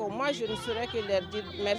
Mazri s'